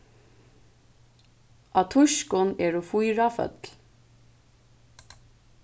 á týskum eru fýra føll